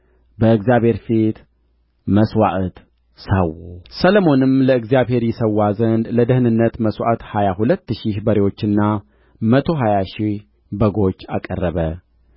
በእግዚአብሔር ፊት መሥዋዕት ሠዉ ሰሎሞንም ለእግዚአብሔር ይሠዋ ዘንድ ለደኅንነት መሥዋዕት ሀያ ሁለት ሺህ በሬዎችና መቶ ሀያ ሺህ በጎች አቀረበ